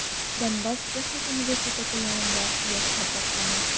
Донбасс техник университеты янында яшьләр таптана.